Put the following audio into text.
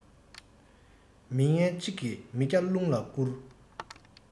མི ངན གཅིག གིས མི བརྒྱ རླུང ལ བསྐུར